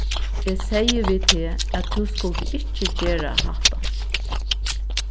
eg segði við teg at tú skuldi ikki gera hatta